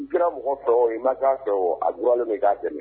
Kira mɔgɔ tɔ i ma' fɛ o a glen min k'a tɛmɛ